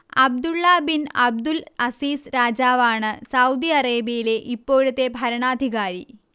Abdulla bin Abdul Aziz രാജാവാണ് Saudi അറേബ്യയിലെ ഇപ്പോഴത്തെ ഭരണാധികാരി